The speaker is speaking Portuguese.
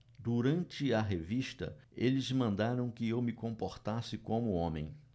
durante a revista eles mandaram que eu me comportasse como homem